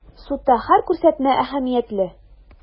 Судта һәр күрсәтмә әһәмиятле.